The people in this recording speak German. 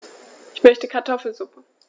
Ich möchte Kartoffelsuppe.